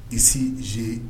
Ici je